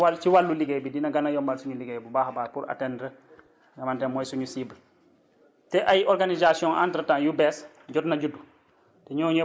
loolu si wàll ci wàllu liggéey bi dina gën a yombal suñu liggéey bu baax a baax pour atteindre ek li nga xamante ne mooy suñu cible te ay organisations entre temps yu bees jot na judd